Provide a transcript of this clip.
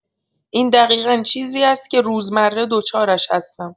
این دقیقا چیزی است که روزمره دچارش هستم.